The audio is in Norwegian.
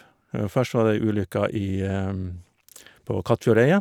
Først var det ei ulykke i på Kattfjordeidet.